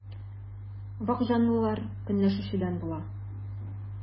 Вак җанлылар көнләшүчән була.